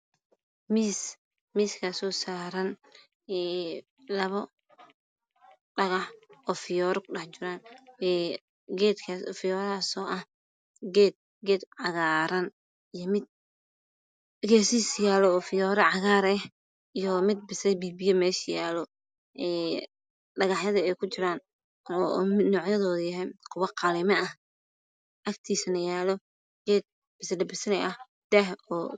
Miis miskaso saran labo dhagax oo fiyore ku dhexjiran fiyorahas o ah geed cagaran mid geesihisa yaala oo fiyoore cagar eh iyo mid basali bi biyo oo mesha yaalo dhagaxyada ee ku jiran nocyadoda ah kuwo qalimo ah agtisa yaalo geed basali basali ah